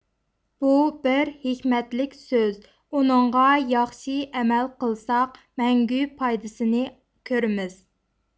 بۇ بىر ھېكمەتلىك سۆز ئۇنىڭغا ياخشى ئەمەل قىلساق مەڭگۈ پايدىسىنى كۆرىمىز